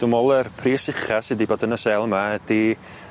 Dwi me'wl yr pris ucha sy' 'di bod yn y sêl yma ydi